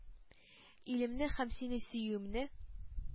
Илемне һәм сине сөюемне